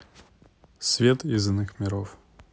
свет из иных миров